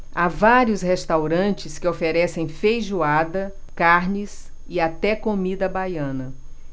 há vários restaurantes que oferecem feijoada carnes e até comida baiana